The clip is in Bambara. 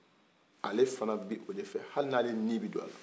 ale fana bi o de fɛ hali n'ale ni bɛ t'a la